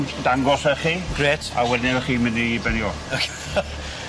...dangos â chi. Grêt. A wedyn o'ch chi mynd i benni o.